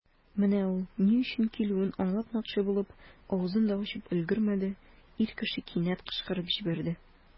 Менә ул, ни өчен килүен аңлатмакчы булыш, авызын да ачып өлгермәде, ир кеше кинәт кычкырып җибәрде.